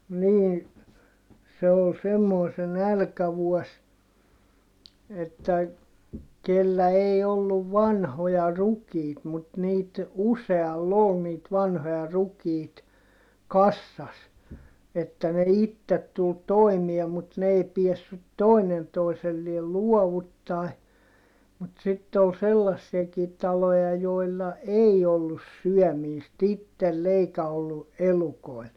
niin se oli semmoinen se nälkävuosi että kenellä ei ollut vanhoja rukiita mutta niitä usealla oli niitä vanhoja rukiita kasassa että ne itse tuli toimeen mutta ne ei päässyt toinen toiselleen luovuttamaan mutta sitten oli sellaisiakin taloja joilla ei ollut syömistä itsellä eikä ollut elukoilla